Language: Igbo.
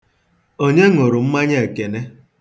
Onye ṅụrụ mmanya Ekene.